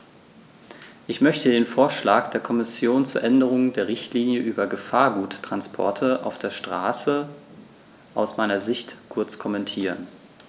Ich möchte den Vorschlag der Kommission zur Änderung der Richtlinie über Gefahrguttransporte auf der Straße aus meiner Sicht kurz kommentieren.